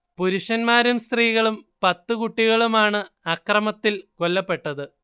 പുരുഷന്മാരും സ്ത്രീകളും പത്തു കുട്ടികളുണുമാണ് അക്രമത്തിൽ കൊല്ലപ്പെട്ടത്